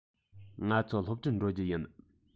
ང ཚོ སློབ གྲྭར འགྲོ རྒྱུ ཡིན